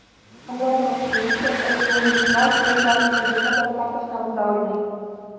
Аңлатыгызчы, нишләп әлеге уенчылар, тренерлар төрле булса да, старт составында уйный?